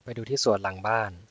ไปดูที่สวนหลังบ้าน